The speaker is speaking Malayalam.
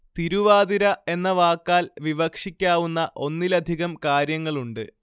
തിരുവാതിര എന്ന വാക്കാല്‍ വിവക്ഷിക്കാവുന്ന ഒന്നിലധികം കാര്യങ്ങളുണ്ട്